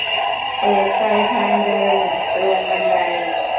เปิดไฟทางเดินตรงบันได